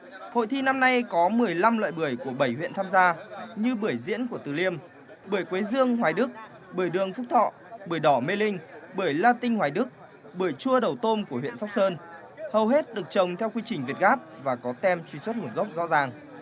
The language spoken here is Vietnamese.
hội thi năm nay có mười lăm loại bưởi của bảy huyện tham gia như bưởi diễn của từ liêm bưởi quế dương hoài đức bưởi đường phúc thọ bưởi đỏ mê linh bởi la tinh hoài đức bưởi chua đầu tôm của huyện sóc sơn hầu hết được trồng theo quy trình việt gáp và có tem truy xuất nguồn gốc rõ ràng